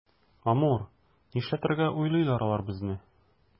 Амур, нишләтергә уйлыйлар алар безне?